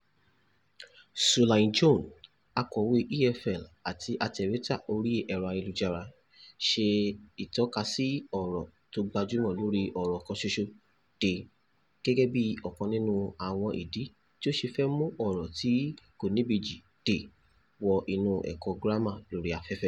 Sue Lyon-Jones, oǹkọ̀wé EFL àti atẹ̀wẹ́tà orí ẹ̀rọ ayélujára, ṣe ìtọ́ka sí ọ̀rọ̀ tó gbajúmọ̀ lóri ọ̀rọ̀ kan ṣoṣo ‘they’ gẹ́gẹ́ bi ọkan nínú àwọn ìdí tí ó ṣe fẹ́ mú ọ̀rọ̀ tí kò níbejì ‘they’ wọ inú ẹ̀kọ́ gírámà lórí afẹ́fẹ́.